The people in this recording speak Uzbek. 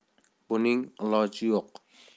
buning iloi yo'q